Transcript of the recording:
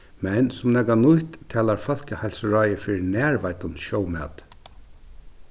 men sum nakað nýtt talar fólkaheilsuráðið fyri nærveiddum sjómati